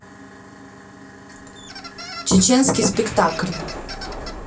чеченский спектакль